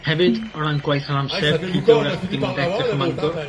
Hefyd o ran gwaith rhan amser pidio 'w'rach dim ond edrych ym Mangor.